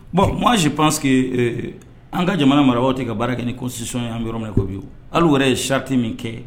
Bon kuma sip pans que an ka jamana mara tɛ ka baara kɛ ni kosisɔnɔn an yɔrɔ min ko bi hali yɛrɛ ye sati min kɛ